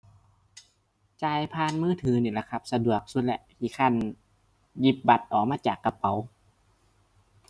จ่ายผ่านมือถือนี่ล่ะครับ สะดวกสุดแล้ว ขี้คร้านหยิบบัตรออกมาจากกระเป๋า